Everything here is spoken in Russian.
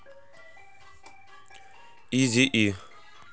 изи и